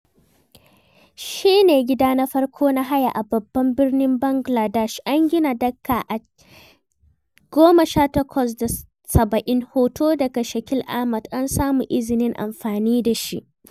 Shi ne gida na farko na haya a babban birnin Bangaladesh, an gina Dhaka a 1870. Hoto daga Shakil Ahmed, an samu izinin amfani da shi.